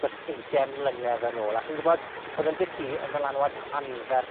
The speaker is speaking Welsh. dros ugen mlynedd yn ôl, a chi'n gwbod, odd 'yn da' cu yn ddylanwad anferth